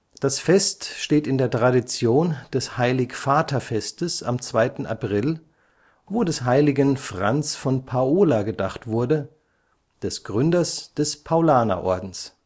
Das Fest steht in der Tradition des Heilig-Vater-Festes am 2. April, wo des heiligen Franz von Paola gedacht wurde, des Gründers des Paulaner-Ordens